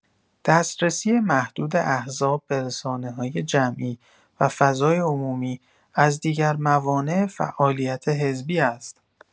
دسترسی محدود احزاب به رسانه‌های جمعی و فضای عمومی از دیگر موانع فعالیت حزبی است.